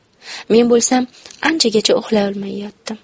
men bo'lsam anchagacha uxlolmay yotdim